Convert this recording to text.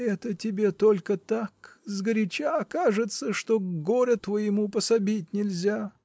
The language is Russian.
-- Это тебе только так, сгоряча кажется, что горю твоему пособить нельзя.